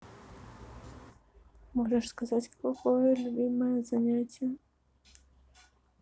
можешь сказать какое любимое занятие